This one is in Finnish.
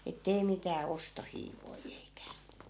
että ei mitään ostohiivoja eikä